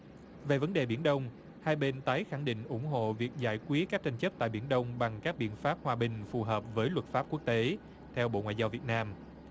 về vấn đề biển đông hai bên tái khẳng định ủng hộ việc giải quyết các tranh chấp tại biển đông bằng các biện pháp hòa bình phù hợp với luật pháp quốc tế theo bộ ngoại giao việt nam